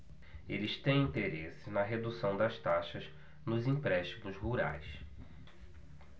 eles têm interesse na redução das taxas nos empréstimos rurais